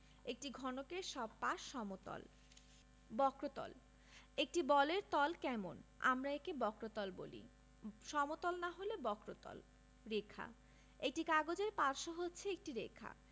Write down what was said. একটি ঘনকের সব পাশ সমতল বক্রতলঃ একটি বলের তল কেমন আমরা একে বক্রতল বলি সমতল না হলে বক্রতল রেখাঃ একটি কাগজের পার্শ্ব হচ্ছে একটি রেখা